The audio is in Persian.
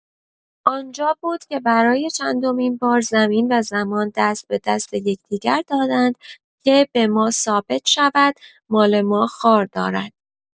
آنجا بود که برای چندمین بار زمین و زمان دست به دست یکدیگر دادند که به ما ثابت شود مال ما خار دارد!